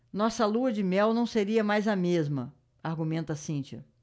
nossa lua-de-mel não seria mais a mesma argumenta cíntia